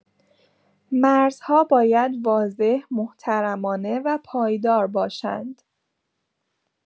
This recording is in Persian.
مرزها باید واضح، محترمانه و پایدار باشند.